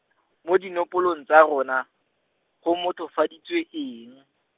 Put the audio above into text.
mo dinopolong tsa rona, go mothofaditswe eng?